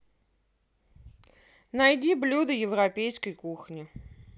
найди блюда европейской кухни